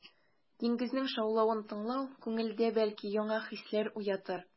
Диңгезнең шаулавын тыңлау күңелдә, бәлки, яңа хисләр уятыр.